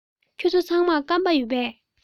ཁྱེད ཚོ ཚང མར སྐམ པ ཡོད པས